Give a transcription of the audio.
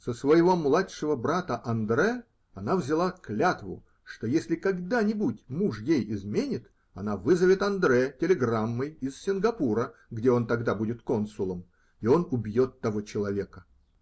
Со своего младшего брата Андрэ она взяла клятву, что если когда-нибудь муж ей изменит, она вызовет Андрэ телеграммой из Сингапура, где он тогда будет консулом, и он убьет того человека.